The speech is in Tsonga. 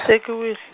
sekiwile-.